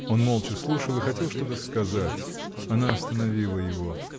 Он молча слушал и хотел что-то сказать, она остановила его.